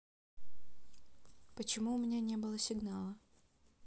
почему у меня не было сигнала